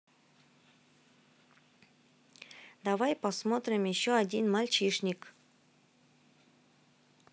давай посмотрим еще один мальчишник